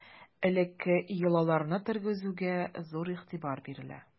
Элекке йолаларны тергезүгә зур игътибар бирелә.